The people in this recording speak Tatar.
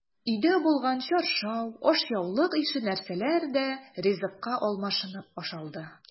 Өйдә булган чаршау, ашъяулык ише нәрсәләр дә ризыкка алмашынып ашалды.